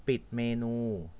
ปิดเมนู